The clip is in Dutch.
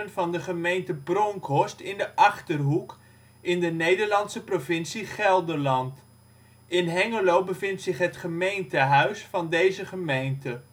van de gemeente Bronckhorst in de Achterhoek, in de Nederlandse provincie Gelderland. In Hengelo bevindt zich het gemeentehuis van deze gemeente